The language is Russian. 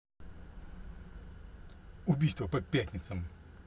убийство по пятницам